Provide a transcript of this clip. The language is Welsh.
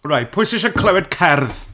Reit, pwy sy isie clywed cerdd?